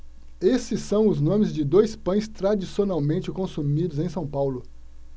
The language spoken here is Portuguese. esses são os nomes de dois pães tradicionalmente consumidos em são paulo